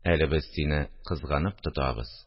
Әле без сине кызганып тотабыз